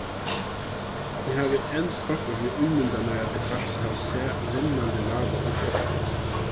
eg havi enn torført við at ímynda mær at eg faktiskt havi sæð rennandi lava og goystur